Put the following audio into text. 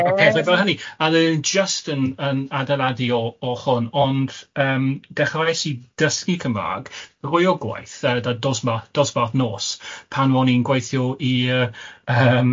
...y pethau fel hynny, a oeddwn i jyst yn yn adeiladu o o hwn, ond yym dechreuais i dysgu Cymrag rwy o gwaith yy da- dosbarth dosbarth nos pan ro'n i'n gweithio i'r yym